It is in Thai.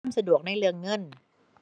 มันสะดวกในเรื่องเงิน